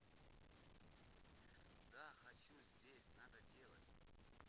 да хочу здесь надо делать